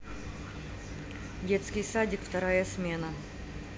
детский садик вторая смена